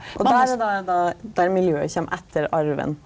og der er då er då der miljøet kjem etter arven.